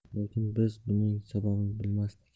lekin biz buning sababini bilmasdik